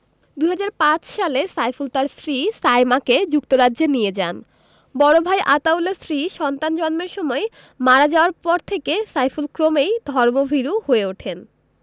২০০৫ সালে সাইফুল তাঁর স্ত্রী সায়মাকে যুক্তরাজ্যে নিয়ে যান বড় ভাই আতাউলের স্ত্রী সন্তান জন্মের সময় মারা যাওয়ার পর থেকে সাইফুল ক্রমেই ধর্মভীরু হয়ে ওঠেন